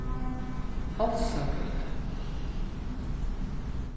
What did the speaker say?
hálsagøta